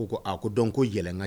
Ko ko a ko dɔn ko yɛlɛɛlɛnga